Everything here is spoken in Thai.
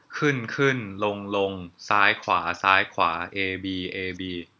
ขึ้นขึ้นลงลงซ้ายขวาซ้ายขวาเอบีเอบี